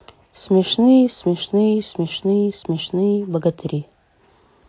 смешные смешные смешные смешные богатыри